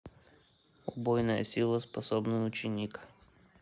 убойная сила способный ученик